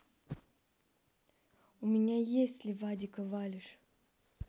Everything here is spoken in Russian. у меня есть ли вадика валишь